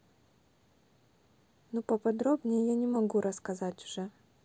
ну поподробнее я не могу рассказать уже